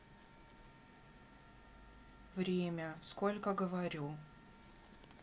время сколько говорю